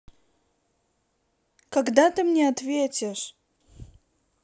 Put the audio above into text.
когда ты мне ответишь